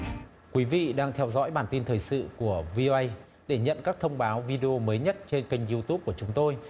quý vị đang theo dõi bản tin thời sự của vi âu ây để nhận các thông báo vi đê ô mới nhất trên kênh diu túp của chúng tôi